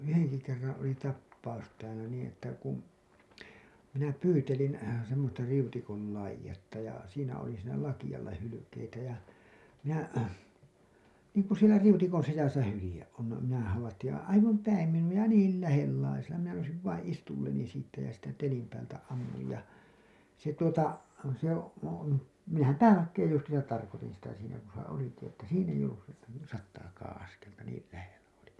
yhdenkin kerran oli tapaus täällä niin että kun minä pyytelin semmoista riutikon laitetta ja siinä oli siinä lakealla hylkeitä ja minä niin kuin siellä riutikon sisässä hylje on no minä havaitsin ja aivan päin minua ja niin lähellä minä nousin vain istualleni siitä ja siitä telin päältä ammuin ja se tuota se minähän päälakeen justiinsa tarkoitin sitä siinä kun se olikin että siinä ei ollut sitten sataakaan askelta niin lähellä oli